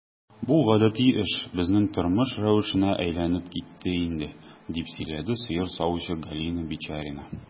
Бу гадәти эш, безнең тормыш рәвешенә әйләнеп китте инде, - дип сөйләде сыер савучы Галина Бичарина.